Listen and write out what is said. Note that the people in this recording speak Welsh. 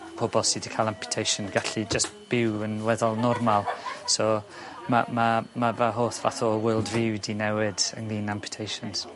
pobol sy 'di ca'l amputation gallu jyst byw yn weddol normal so ma' ma' ma' fy holl fath o world view 'di newid ynglŷn â amputasions.